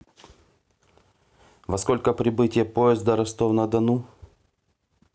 во сколько прибытие поезда ростов на дону